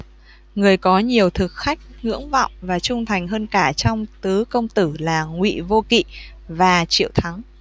người có nhiều thực khách ngưỡng vọng và trung thành hơn cả trong tứ công tử là ngụy vô kỵ và triệu thắng